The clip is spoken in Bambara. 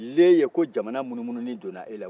le ye ko jamana munumununi donna e la